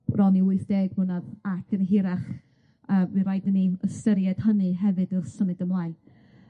bron i wyth deg mlynadd ac yn hirach, a fy' raid i ni ystyried hynny hefyd wrth symud ymlaen.